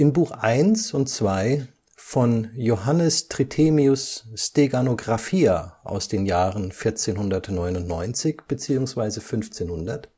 Buch I und II von Johannes Trithemius ' Steganographia (1499/1500